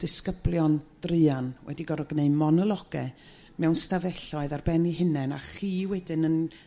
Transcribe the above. disgyblion druan wedi gor'o' gneu' monologe mewn stafelloedd ar ben 'u hunen a chi wedyn yn